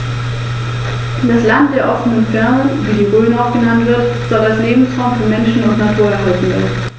Landkreise, Kommunen, Vereine, Verbände, Fachbehörden, die Privatwirtschaft und die Verbraucher sollen hierzu ihren bestmöglichen Beitrag leisten.